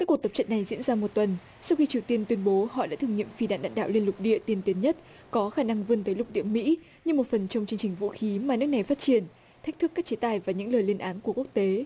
cuộc tập trận này diễn ra một tuần sau khi triều tiên tuyên bố họ đã thử nghiệm phi đạn đạn đạo liên lục địa tiên tiến nhất có khả năng vươn tới lục địa mỹ như một phần trong chương trình vũ khí mà nước này phát triển thách thức các chế tài và những lời lên án của quốc tế